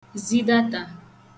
zidata